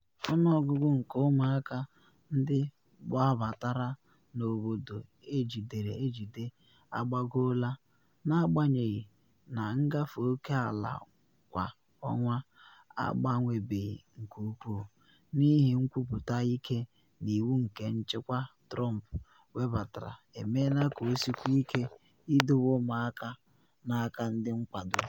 Ọnụọgụ nke ụmụaka ndị gbabatara n’obodo ejidere ejide agbagoola na agbanyeghị na ngafe oke ala kwa ọnwa agbanwebeghị nke ukwuu, n’ihi nkwupụta ike na iwu nke nchịkwa Trump webatara emeela ka o sikwuo ike idowe ụmụaka n’aka ndị nkwado.